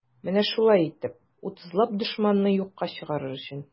Менә шулай итеп, утызлап дошманны юкка чыгарыр өчен.